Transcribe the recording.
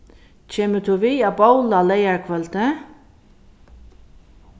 kemur tú við at bovla leygarkvøldið